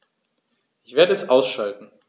Ich werde es ausschalten